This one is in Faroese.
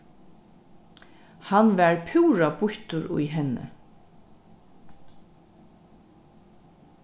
hann var púra býttur í henni